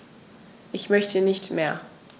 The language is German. Ich möchte nicht mehr.